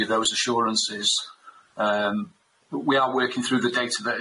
you those assurances yym we are working through the data that